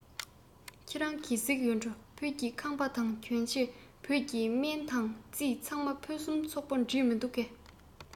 ཁྱེད རང གིས གཟིགས ཡོད འགྲོ བོད ཀྱི ཁང པ དང གྱོན ཆས བོད ཀྱི སྨན དང རྩིས ཚང མ ཕུན སུམ ཚོགས པོ འདྲས མི འདུག གས